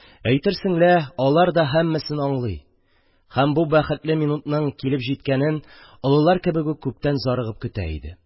Әйтерсең лә алар да һәммәсен аңлый һәм бу бәхетле минутның килеп җиткәнен олылар кебек үк күптән зарыгып көтә иде.